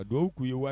A dɔw'u ye wari